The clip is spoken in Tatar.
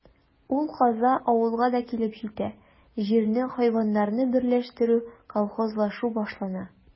Ул каза авылга да килеп җитә: җирне, хайваннарны берләштерү, колхозлашу башлана.